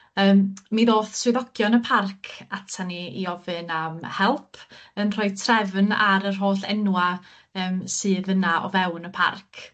yym mi ddoth swyddogion y parc atan ni i ofyn am help yn rhoi trefn ar yr holl enwa' yym sydd yna o fewn y parc.